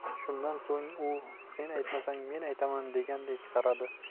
shundan so'ng u sen aytmasang men aytaman degandek qaradi